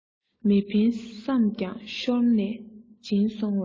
མི འཕེན བསམ ཀྱང ཤོར ནས ཕྱིན སོང བས